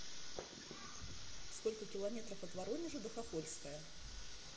сколько километров от воронежа до хохольская